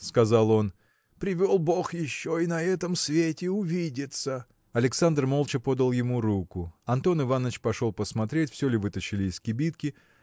– сказал он, – привел бог еще и на этом свете увидеться. Александр молча подал ему руку. Антон Иваныч пошел посмотреть все ли вытащили из кибитки